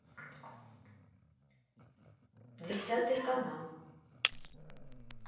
десятый канал